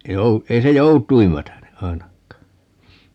ei - ei se joutuin mätäne ainakaan